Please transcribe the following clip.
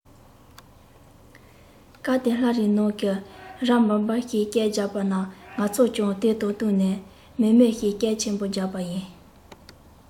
སྐབས དེར ལྷས རའི ནང གི རས བཱ བཱ ཞེས སྐད བརྒྱབ པ ན ང ཚོས ཀྱང དེ དང བསྟུན ནས མཱེ མཱེ ཞེས སྐད ཆེན པོ བརྒྱབ པ ཡིན